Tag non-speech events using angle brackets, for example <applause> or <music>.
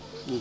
<hesitation>